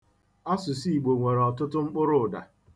Asụsụ Igbo nwere ọtụtụ mkpụrụụda.